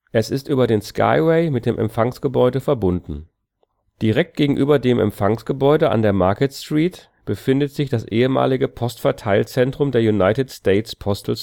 Es ist über einen Skyway mit dem Empfangsgebäude verbunden. Direkt gegenüber dem Empfangsgebäude an der Market Street befindet sich das ehemalige Postverteilzentrum des United States Postal Service